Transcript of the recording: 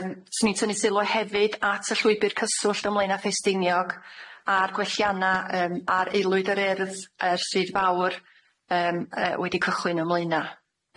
Yym 'swn i'n tynnu sylw hefyd at y llwybyr cyswllt ym Mlaenau Ffestiniog a'r gwellianna yym ar Aelwyd yr Urdd yr Stryd Fawr yym yy wedi cychwyn ym Mlaenau.